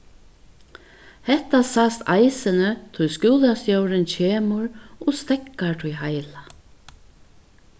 hetta sæst eisini tí skúlastjórin kemur og steðgar tí heila